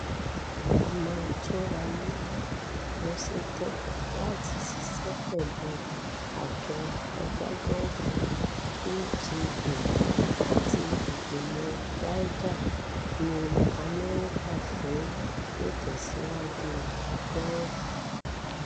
A máa tún ra mú. Mo ṣe tán láti ṣiṣẹ́ pẹ̀lú àjọ agbágọ́ọ̀fù PGA àti ìgbìmọ̀ Ryder ní Amẹ́ríkà fún ìtẹ̀síwájú gọ́ọ̀fù.